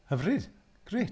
Hyfryd. Grêt.